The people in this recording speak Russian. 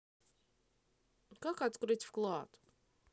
как открыть вклад